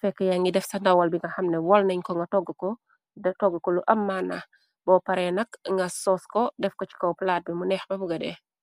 fekka ya ngi def sa ndawal bi nga xamne wol nangh ko, nga togg ko lu am manna, bo pare nak nga sos ko, def ko chi kaw plaat bi mu neex ba buga dee.